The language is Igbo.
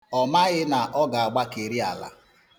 Ọ maghị na ọ ga-agbakeri ala.